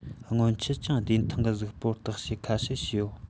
སྔོན ཆད གྱང བདེ ཐང གི གཟུགས པོར བརྟག དཔྱད ཁ ཤས བྱོས ཡོད